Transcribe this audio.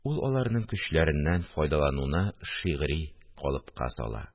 Ул аларның көчләреннән файдалануны шигъри калыпка сала: